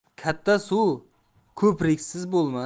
katta suv ko'priksiz bo'lmas